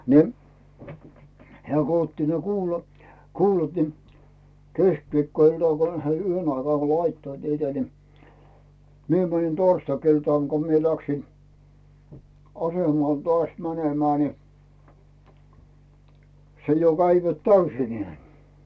niin hän kun otti ne - kuulat niin keskiviikkoiltana kun he yhden aikaa laittoivat niitä niin minä menin torstai-iltana kun minä lähdin asemalle taas menemään niin se jo kävivät täysinään